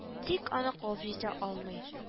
Ик аны куып җитә алмый